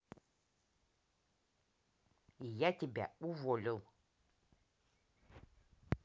я тебя уволил